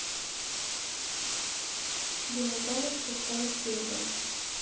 динозавр шестая серия